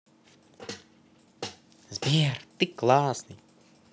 сбер ты классный